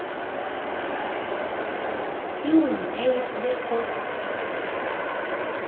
и у меня есть сберкот